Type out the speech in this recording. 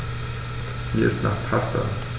Mir ist nach Pasta.